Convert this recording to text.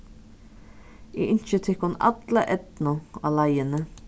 eg ynski tykkum alla eydnu á leiðini